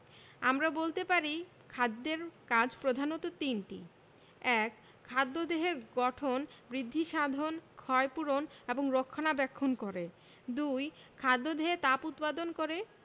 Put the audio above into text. আমরা বলতে পারি খাদ্যের কাজ প্রধানত তিনটি ১. খাদ্য দেহের গঠন বৃদ্ধিসাধন ক্ষয়পূরণ ও রক্ষণাবেক্ষণ করে ২. খাদ্য দেহে তাপ উৎপাদন করে